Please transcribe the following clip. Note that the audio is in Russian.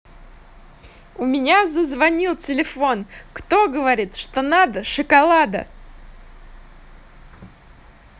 у меня зазвонил телефон кто говорит что надо шоколада